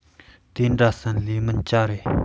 དེ འདྲ བསམ ལེ མོང ཅ རེད